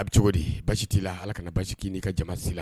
A bɛ cogo di basi' la ala kana basi k''i ka jamana la